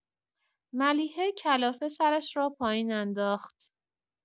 ملیحه کلافه سرش را پایین انداخت.